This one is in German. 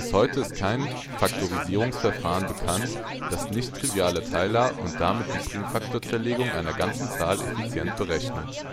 heute ist kein Faktorisierungsverfahren bekannt, das nichttriviale Teiler und damit die Primfaktorzerlegung einer Zahl effizient berechnet